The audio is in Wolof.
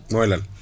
mooy lan